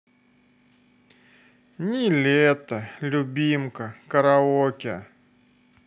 нилетто любимка караоке